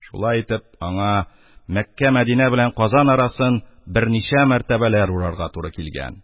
Шулай итеп, аңа Мәккә, Мәдинә белән Казан арасын берничә мәртәбәләр урарга туры килгән.